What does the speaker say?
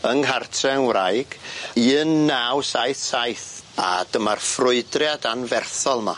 yng Nghartre yng Wraig un naw saith saith a dyma'r ffrwydriad anferthol 'ma.